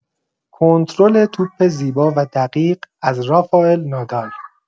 کنترل توپ زیبا و دقیق از رافائل نادال